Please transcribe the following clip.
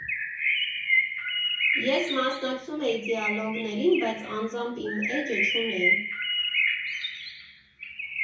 Ես մասնակցում էի դիալոգներին, բայց անձամբ իմ էջը չունեի։